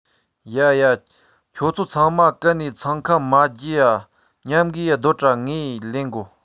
ཡ ཡ ཁྱེད ཆོ ཚང མ གན ནས འཚང ཁ མ སྐྱེ འ མཉམ གིས སྡོད དྲ ངས ལེན གོ